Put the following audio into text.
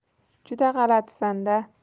juda g'alatisanda